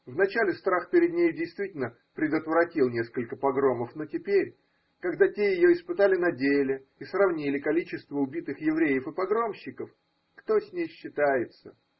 вначале страх перед нею действительно предотвратил несколько погромов, но теперь, когда те ее испытали на деле и сравнили количество убитых евреев и погромщиков, кто с ней считается?